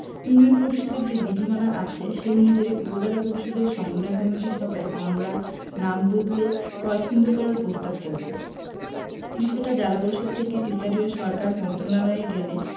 union পরিষদের যে বিধিমালা আছে সে অনুযারী উপজেলা পরিষদের সমন্বয় কমিটির সভায় আমরা নাম বদলে কলসিন্দুর করার পস্তাব করব বিষয়টা জেলা পরিষদ হয়ে স্থানীয় সরকার মন্ত্রণালয়ে গেলে